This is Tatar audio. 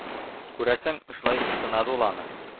Күрәсең, шулай сынады ул аны,